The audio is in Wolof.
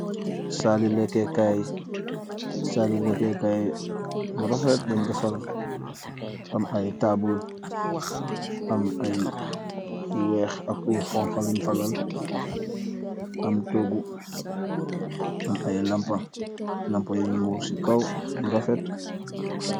Saali likekaay, saali likekaay bu rofet bu dafar am ay taabul , am ayy weex ak lu xanxa luñ falal laal, am togu am ay lampa , lampa yuy muur ci kaw yi rofet.